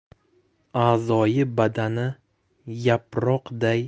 a'zoyi badani yaproqday